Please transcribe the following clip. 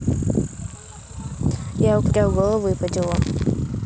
я украл голову и поделом